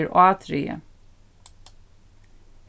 tað er ádrigið